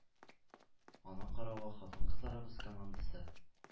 Аның каравы, хатын-кызларыбыз командасы